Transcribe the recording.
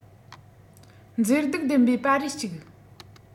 མཛེས སྡུག ལྡན པའི པར རིས ཅིག